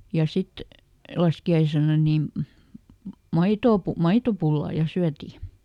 ja sitten laskiaisena - maitoa - maitopullaa ja syötiin